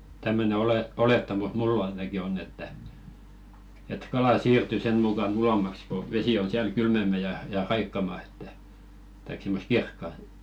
tämmöinen - olettamus minulla ainakin on että että kala siirtyy sen mukana ulommaksi kun vesi on siellä kylmempää ja ja raikkaampaa että tai semmoista kirkasta